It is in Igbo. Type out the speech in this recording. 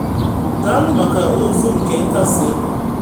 Daalụ maka ozi nke nkasị obi!”